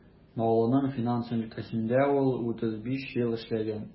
Баулының финанс өлкәсендә ул 35 ел эшләгән.